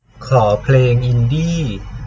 ขอเพลงอินดี้